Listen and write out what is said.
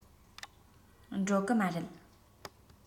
འགྲོ གི མ རེད